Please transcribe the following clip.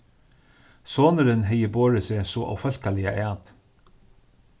sonurin hevði borið seg so ófólkaliga at